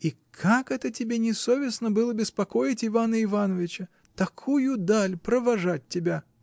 И как это тебе не совестно было беспокоить Ивана Ивановича? Такую даль — провожать тебя!